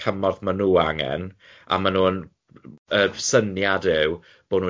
cymorth maen nhw angen, a maen nhw'n yy syniad yw bo' nhw'n